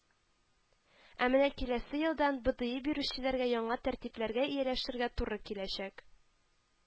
Ә менә киләсе елдан БэДэИ бирүчеләргә яңа тәртипләргә ияләшергә туры киләчәк